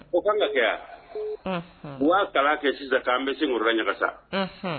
O ka kan ka kɛ b'a kalan kɛ sisan k'an bɛ se woro ɲaga sa